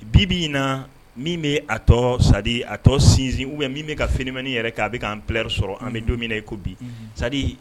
Bi bi in na min bɛ a tɔ C'est à dire a tɔ sinsin oubien min bɛ ka phénomène yɛrɛ kɛ a bɛ ka ampleur sɔrɔ an bɛ don min, i k'o bi sa C'est à dire